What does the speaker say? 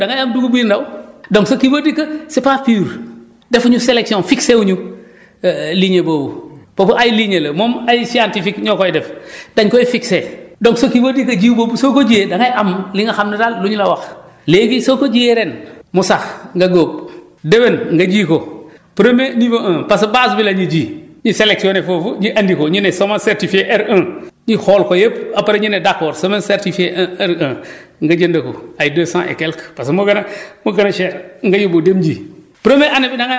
soo defee lépp da ngay am dugub yu ndaw donc ce qui veut dire que c' est pas pur defuñu selection fixer wu ñu lignée boobu foofu ay lignée la moom ay scientifiques ñoo koy def dañu koy fixer donc ce qui veut dire que jiw boobu soo ko jiyee da ngay am li nga xam ne daal lu ñu la wax léegi soo ko jiyee ren mu sax nga góob déwen nga ji ko premier niveau 1 parce que base bi la ñuy ji ñu selectionné foofu ñu andi ko ñu ne semence certifiée R1 ñu xool ko yëpp après ñu ne d' accord semence certifiée R1 nga jënd ko ay 200 et quelque parce que moo gën a moo gën a cher nga yóbbu dem ji